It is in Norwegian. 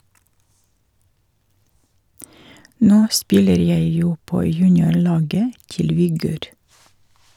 - Nå spiller jeg jo på juniorlaget til Vigør.